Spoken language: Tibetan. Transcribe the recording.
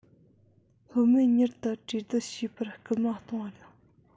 སློབ མས མྱུར དུ གྲོས སྡུར བྱེད པར སྐུལ མ གཏོང བ དང